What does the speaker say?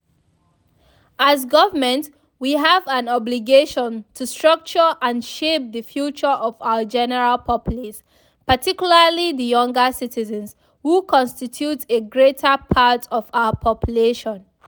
As Government we have an obligation to structure and shape the future of our general populace, particularly the younger citizens, who constitute a greater part of our population.